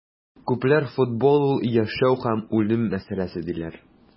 Күпләр футбол - ул яшәү һәм үлем мәсьәләсе, диләр.